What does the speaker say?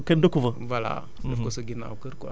donc il est préférable def ko foo xam ne daal kenn dëkku fa